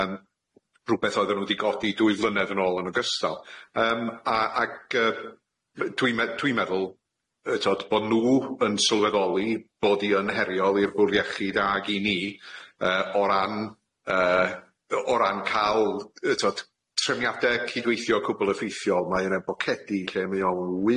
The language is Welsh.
Yym rwbeth oedden nw 'di godi dwy flynedd yn ôl yn ogystal yym a ag yy dwi me- dwi'n meddwl yy t'od bo' nw yn sylweddoli bod i yn heriol i'r bwr iechyd ag i ni yy o ran yy yy o ran ca'l yy t'od trefniade cydweithio cwbwl effeithiol, mae yna bocedi lle mae o'n wych.